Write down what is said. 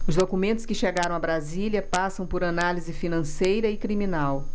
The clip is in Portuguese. os documentos que chegaram a brasília passam por análise financeira e criminal